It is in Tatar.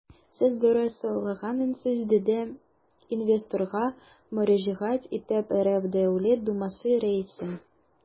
Сез дөрес сайлагансыз, - диде инвесторга мөрәҗәгать итеп РФ Дәүләт Думасы Рәисе.